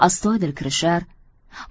astoydil kirishar